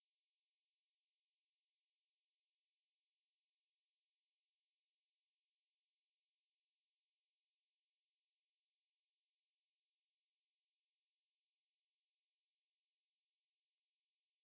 এ বৈঠক থেকে ইতিবাচক ফল বেরিয়ে আসবে বলে তিনি আশাবাদী বৈঠক হওয়া না হওয়ার দোলাচল কাটিয়ে অবশেষে পূর্বনির্ধারিত ১২ জুন সিঙ্গাপুরের দক্ষিণাঞ্চলীয় সান্তোসা দ্বীপে হতে যাচ্ছে কিম ট্রাম্প বৈঠক